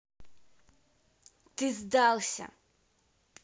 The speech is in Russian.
ты сдался